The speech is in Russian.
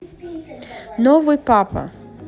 новый папа